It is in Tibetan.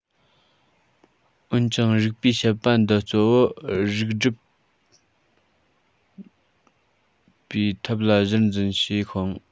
འོན ཀྱང རིགས པས དཔྱད པ འདི གཙོ བོ རིགས སྒྲེ བའི ཐབས ལ གཞིར འཛིན བྱས ཤིང